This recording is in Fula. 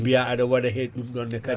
biya aɗa waɗa hen ɗum ɗon ne kaadi